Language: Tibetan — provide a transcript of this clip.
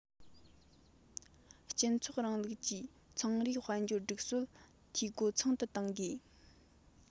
སྤྱི ཚོགས རིང ལུགས ཀྱི ཚོང རའི དཔལ འབྱོར སྒྲིག སྲོལ འཐུས སྒོ ཚང དུ གཏོང དགོས